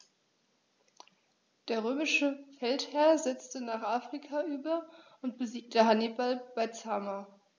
Der römische Feldherr setzte nach Afrika über und besiegte Hannibal bei Zama.